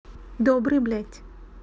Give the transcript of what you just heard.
добрый блядь